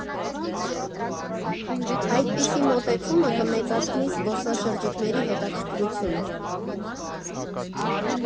Այդպիսի մոտեցումը կմեծացնի զբոսաշրջիկների հետաքրքրությունը։